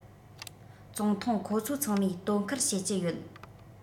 ཙུང ཐུང ཁོ ཚོ ཚང མས དོ ཁུར བྱེད ཀྱི ཡོད